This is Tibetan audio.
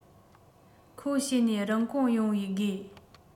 ཁོ བྱས ནས རིན གོང ཡོང བའི དགོས